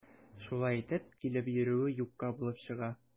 Шулай итеп, килеп йөрүе юкка булып чыга.